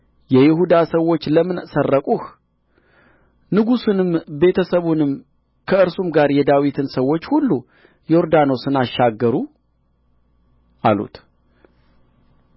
የይሁዳ ሰዎች ለምን ሰረቁህ ንጉሡንም ቤተ ሰቡንም ከእርሱም ጋር የዳዊትን ሰዎች ሁሉ ዮርዳኖስን አሻገሩ አሉት